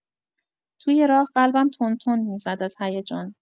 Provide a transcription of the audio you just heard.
توی راه قلبم تند تند می‌زد از هیجان.